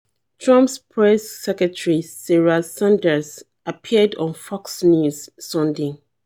Trump's press secretary, Sarah Sanders, appeared on Fox News Sunday.